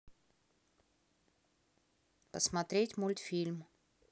посмотреть мультфильм